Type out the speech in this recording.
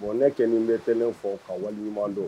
Bɔnɛ kɛ bɛ tɛnɛn fɔ ka waleɲuman don